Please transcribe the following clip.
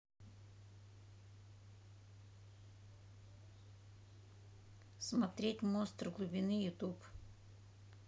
мег монстр глубины ютюб